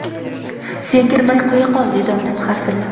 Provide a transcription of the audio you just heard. sen kirmay qo'ya qol dedi onam harsillab